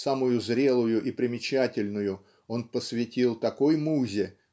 самую зрелую и примечательную он посвятил такой музе